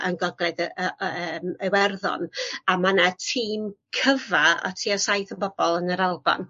yn gogledd yym Iwerddon a ma' 'na tîm cyfa o tua saith o bobol yn yr Alban